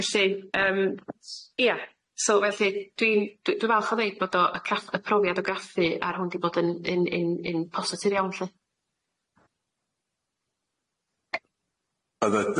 Felly yym ia so felly dwi'n dwi falch o ddeud bod o y craff- y profiad o graffu ar hwn 'di bod yn un un un positif iawn lly.